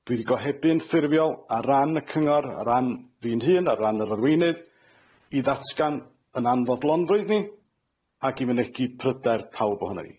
Dwi 'di gohebu'n ffurfiol ar ran y cyngor, ar ran fi'n hun, ar ran yr arweinydd, i ddatgan 'yn anfodlondrwydd ni, ac i fynegi pryder pawb ohonan ni.